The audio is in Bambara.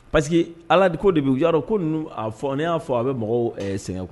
Pa que ala de ko de bɛ'a ko fɔ y'a fɔ a bɛ mɔgɔw sɛgɛn kɔnɔ